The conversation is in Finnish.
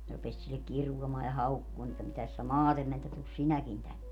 ne rupesi sille kiroamaan ja haukkumaan että mitäs sinä maate menet että tule sinäkin tänne